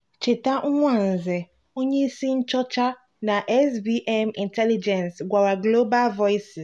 Cheta Nwanze, Onyeisi Nchọcha na SBM Intelligence gwara Global Voices: